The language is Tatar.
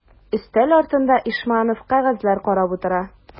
Өстәл артында Ишманов кәгазьләр карап утыра.